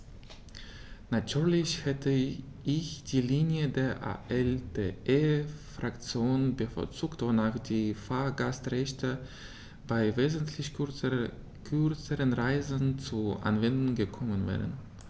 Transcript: Natürlich hätte ich die Linie der ALDE-Fraktion bevorzugt, wonach die Fahrgastrechte bei wesentlich kürzeren Reisen zur Anwendung gekommen wären.